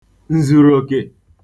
ǹzùròkè